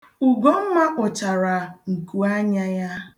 Ugomma kpụchara nkuanya ya.